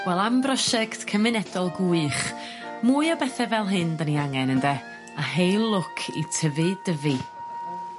Wel am brosiect cymunedol gwych mwy o bethe fel hyn 'dan ni angen ynde a hei lwc i tyfu Dyfi.